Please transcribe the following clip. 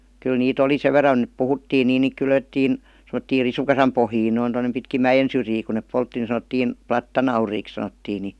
kyllä niitä oli sen verran että puhuttiin niin niitä kylvettiin semmoisiin risukasan pohjiin noin tuonne pitkin mäen syrjiä kun ne poltti niin sanottiin plattanauriiksi sanottiin niin